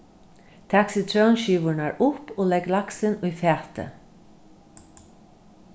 tak sitrónskivurnar upp og legg laksin í fatið